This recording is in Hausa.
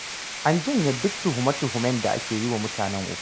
An janye duk tuhume-tuhumen da ake yi wa mutane ukun.